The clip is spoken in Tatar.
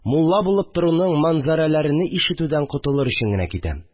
Мулла булып торуның мәнзарәләрене ишетүдән котылыр өчен генә китәм